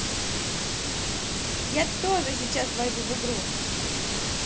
я тоже сейчас войду игру